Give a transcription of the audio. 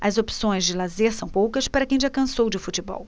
as opções de lazer são poucas para quem já cansou de futebol